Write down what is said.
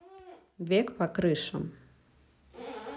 бег по крышам